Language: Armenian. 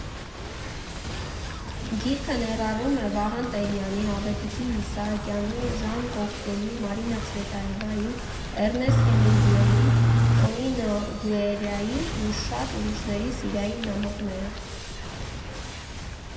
Գիրքը ներառում է Վահան Տերյանի, Ավետիքի Իսահակյանի, Ժան Կոկտոյի, Մարինա Ցվետաևայի, Էռնեստ Հեմինգուեյի, Տոնինո Գուերայի ու շատ ուրիշների սիրային նամակները։